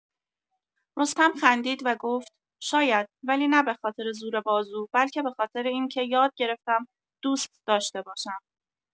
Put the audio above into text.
رستم خندید و گفت: «شاید، ولی نه به‌خاطر زور بازو، بلکه به‌خاطر اینکه یاد گرفتم دوست داشته باشم.»